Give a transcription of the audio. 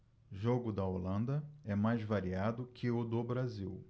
jogo da holanda é mais variado que o do brasil